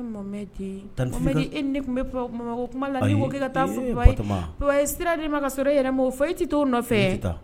Momɛdii Tani Fifi ka Momɛdi e ni ne tun be papa ko mama ko kuma la ayi ee Batoma ne ko k'e ka taa fɔ ye bari papa ye sira di e ma ka sɔrɔ e yɛrɛ m'o fɔ e ti t'o o nɔfɛɛ ne t'i taa